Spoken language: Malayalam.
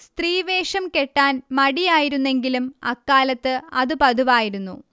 സ്ത്രീവേഷം കെട്ടാൻ മടിയായിരുന്നെങ്കിലും അക്കാലത്ത് അത് പതിവായിരുന്നു